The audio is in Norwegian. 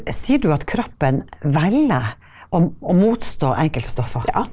sier du at kroppen velger å å motstå enkelte stoffer?